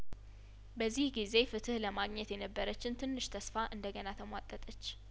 በዚህ ጊዜ ፍትህ ለማግኘት የነበረችን ትንሽ ተስፋ እንደገና ተሟጠጠች